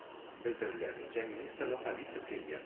Белдерүләренчә, министрлыкта вице-премьер